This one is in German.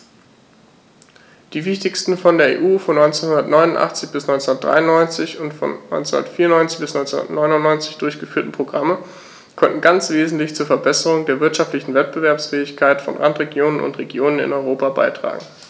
Die wichtigsten von der EU von 1989 bis 1993 und von 1994 bis 1999 durchgeführten Programme konnten ganz wesentlich zur Verbesserung der wirtschaftlichen Wettbewerbsfähigkeit von Randregionen und Regionen in Europa beitragen.